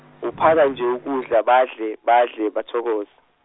uphaka nje ukudla badle badle bathokoze.